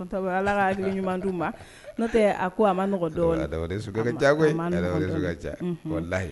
Ala ɲuman no a ko a mayi